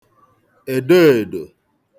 èdeèdò